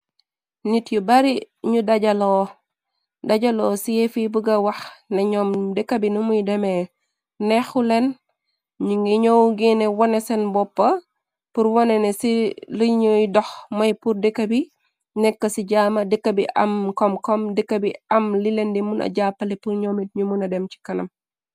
nit yu bari ñu jloo dajaloo sieefi buga wax ne ñoom dëkka bi numuy demee neexuleen ñu ngi ñoowu geene wone seen bopp pur wonene ci lu ñuy dox moy pur dëkka bi nekk ci jaama dëkka bi am kom-kom dëka bi am lilendi muna jàppale pur ñoomit ñu muna dem ci kanam